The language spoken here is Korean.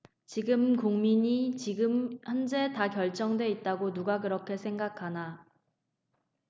지금 국민이 지금 현재 다 결정돼 있다고 누가 그렇게 생각하나